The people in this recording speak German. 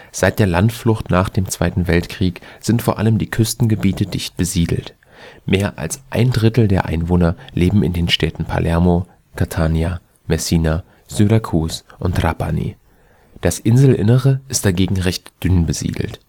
Seit der Landflucht nach dem Zweiten Weltkrieg sind vor allem die Küstengebiete dicht besiedelt. Mehr als ein Drittel der Einwohner leben in den Städten Palermo, Catania, Messina, Syrakus und Trapani. Das Inselinnere ist dagegen recht dünn besiedelt